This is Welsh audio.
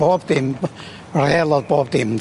Bob dim b- rêl o'dd bob dim de?